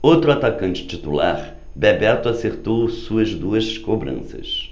o outro atacante titular bebeto acertou suas duas cobranças